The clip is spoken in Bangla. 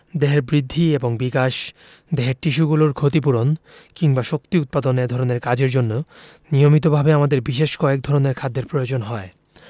দেহের বৃদ্ধি এবং বিকাশ দেহের টিস্যুগুলোর ক্ষতি পূরণ কিংবা শক্তি উৎপাদন এ ধরনের কাজের জন্য নিয়মিতভাবে আমাদের বিশেষ কয়েক ধরনের খাদ্যের প্রয়োজন হয়